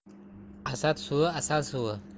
asad suvi asal suvi